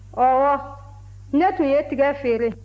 ɔwɔ ne tun ye tiga feere